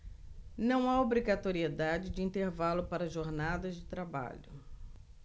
não há obrigatoriedade de intervalo para jornadas de trabalho